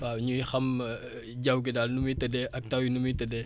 waaw ñuy xam jaww gi daal nu muy tëddee ak taw yi nu muy tëddee